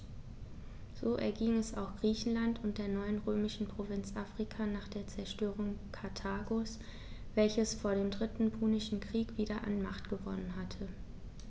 So erging es auch Griechenland und der neuen römischen Provinz Afrika nach der Zerstörung Karthagos, welches vor dem Dritten Punischen Krieg wieder an Macht gewonnen hatte.